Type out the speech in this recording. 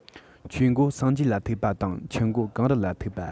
ཆོས འགོ སངས རྒྱས ལ ཐུག པ དང ཆུ འགོ གངས རི ལ ཐུག པ